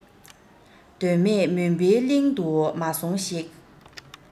དོན མེད མུན པའི གླིང དུ མ སོང ཞིག